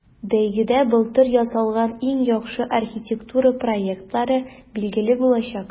Бәйгедә былтыр ясалган иң яхшы архитектура проектлары билгеле булачак.